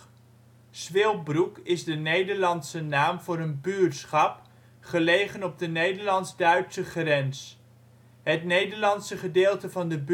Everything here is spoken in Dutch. Zwilbroek is de Nederlandse naam voor een buurtschap gelegen op de Nederlands-Duitse grens. Het Nederlandse gedeelte van de